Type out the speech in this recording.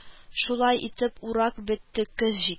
Шулай итеп, урак бетте, көз җитте